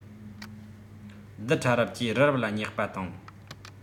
རྡུལ ཕྲ རབ ཀྱིས རི རབ ལ བསྙེགས པ དང